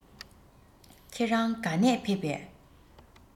ཁྱེད རང ག ནས ཕེབས པས